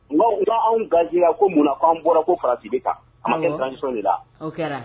Nka anw gariji ko mun k'an bɔra ko farati bɛ kan an kɛ de la o kɛra